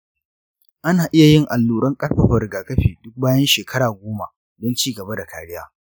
ana iya yin alluran ƙarfafa rigakafi duk bayan shekara goma don ci gaba da kariya.